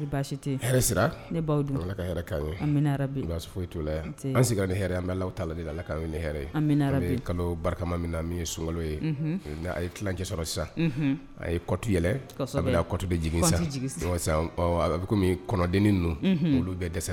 Foyi la an sigi ka an ta ni kalo barikama min na sun ye a ye ticɛ sɔrɔ sisan a ye kɔti yɛlɛ kɔtibe jiginig sisan a'a kɔnɔdennin olu bɛ dɛsɛ